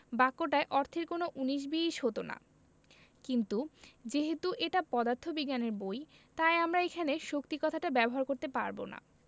বাক্যটায় অর্থের কোনো উনিশ বিশ হতো না কিন্তু যেহেতু এটা পদার্থবিজ্ঞানের বই তাই আমরা এখানে শক্তি কথাটা ব্যবহার করতে পারব না